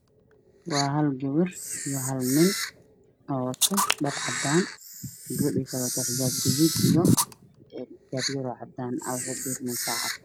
Waa hal gabar iyo hal nin oo wata dhar caddaan ah gabadha waxay wadataa xijaab gaduuda